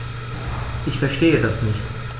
Ich verstehe das nicht.